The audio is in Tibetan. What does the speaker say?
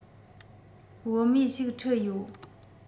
བུད མེད ཞིག ཁྲིད ཡོད